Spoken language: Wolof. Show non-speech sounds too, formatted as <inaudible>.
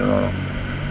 waaw <noise>